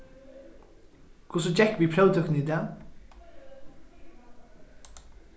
hvussu gekk við próvtøkuni í dag